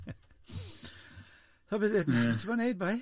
So be, be ti di bod neud boi?